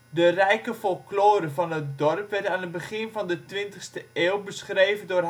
De rijke folklore van het dorp werd aan het begin van de twintigste eeuw beschreven door